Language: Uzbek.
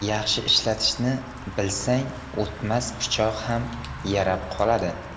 yaxshi ishlatishni bilsang o'tmas pichoq ham yarab qoladi